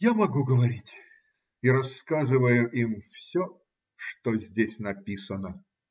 Я могу говорить и рассказываю им все, что здесь написано.